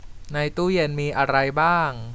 ในตู้เย็นมีอะไรบ้าง